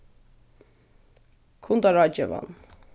kundaráðgevan